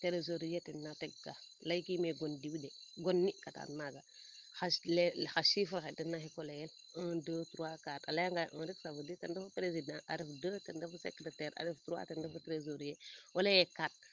tena teg kaa ley kiime gon diw de gon ne a taan maaga xa chiffre axe dena eet ko leyel un deux trois quatre a leya ngaye un ten refu president a ref deux a ref secretaire ten refu tresorier a leye